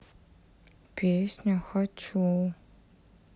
песня хочу